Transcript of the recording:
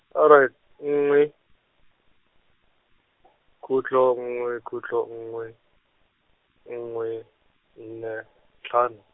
all right, nngwe, khutlo nngwe khutlo nngwe, nngwe, nne, tlhano.